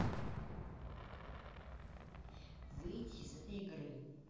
выйти из этой игры